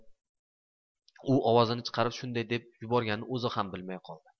u ovozini chiqarib shunday deb yuborganini o'zi bilmay qoldi